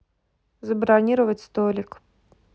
забронировать столик